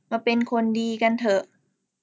มาเป็นคนดีกันเถอะ